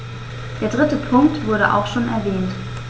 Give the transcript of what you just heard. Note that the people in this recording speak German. Der dritte Punkt wurde auch schon erwähnt.